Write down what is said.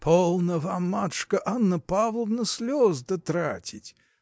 – Полно вам, матушка Анна Павловна, слезы-то тратить!